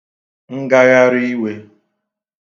ngagharịiwē